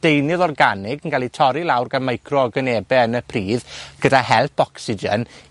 deunydd organig yn cael 'i torri lawr gan micro organebe yn y pridd, gyda help ocsigen,